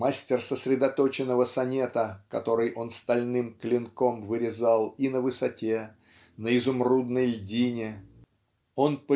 мастер сосредоточенного сонета, который он стальным клинком вырезал и на высоте, на изумрудной льдине, он